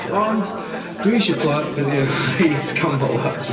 Ond dwi isio clywed be 'di enw reids Camelot